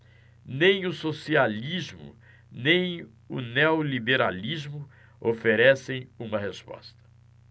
nem o socialismo nem o neoliberalismo oferecem uma resposta